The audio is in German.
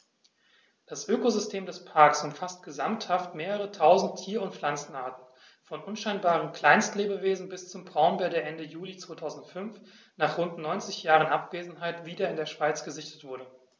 Das Ökosystem des Parks umfasst gesamthaft mehrere tausend Tier- und Pflanzenarten, von unscheinbaren Kleinstlebewesen bis zum Braunbär, der Ende Juli 2005, nach rund 90 Jahren Abwesenheit, wieder in der Schweiz gesichtet wurde.